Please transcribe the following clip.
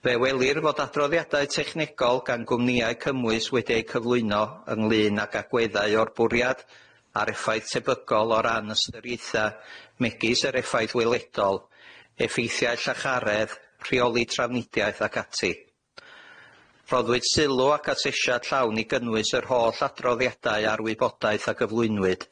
Fe welir fod adroddiade technegol gan gwmnïau cymwys wedi eu cyflwyno ynglŷn ag agweddau o'r bwriad, a'r effaith tebygol o ran ystyriaetha, megis yr effaith weledol, effeithiau llacharedd, rheoli trafnidiaeth ac ati. Rhoddwyd sylw ac asesiad llawn i gynnwys yr holl adroddiadau a'r wybodaeth a gyflwynwyd.